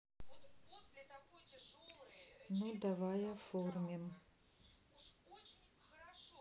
ну давай оформим